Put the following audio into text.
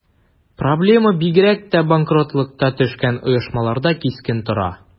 Проблема бигрәк тә банкротлыкка төшкән оешмаларда кискен тора.